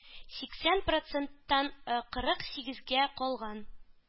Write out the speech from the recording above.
Сиксән проценттан кырык сигезгә калган.